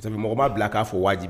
Sabu mɔgɔ b'a bila k'a fɔ wajibi